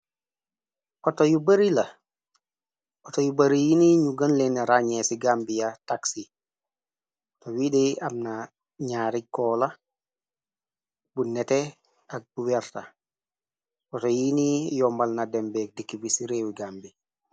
Ooto yu bari la, oto yu bari yi ni ñu gën leen rañee ci Gambiya taksi, te wiidi am na ñaari koola, bu nete ak bu werta, oto yi ni yombal na dembeeg dikk bi ci réewi Gambi.